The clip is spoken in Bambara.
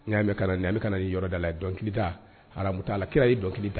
N'mɛ na nmɛ ka nin yɔrɔ da la dɔnkili da araku a kira ye dɔnkili da